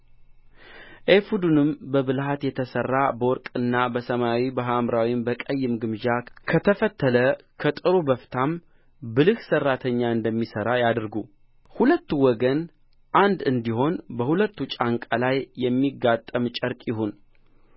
ኤፉዱንም በብልሃት የተሠራ በወርቅና በሰማያዊ በሐምራዊም በቀይም ግምጃ ከተፈተለ ከጥሩ በፍታም ብልህ ሠራተኛ እንደሚሠራ ያድርጉ ሁለቱ ወገን አንድ እንዲሆን በሁለቱ ጫንቃ ላይ የሚጋጠም ጨርቅ ይሁን